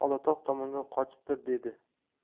olatog' tomonga qochibdir dedi